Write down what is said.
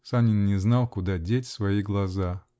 Санин не знал, куда деть свои глаза.